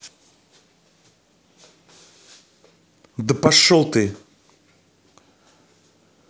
да пошел ты